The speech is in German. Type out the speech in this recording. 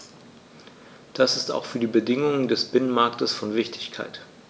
Das ist auch für die Bedingungen des Binnenmarktes von Wichtigkeit.